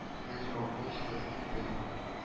- дигән җавапны ишетәсе килде